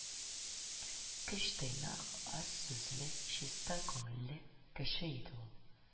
Кеч тыйнак, аз сүзле, чиста күңелле кеше иде ул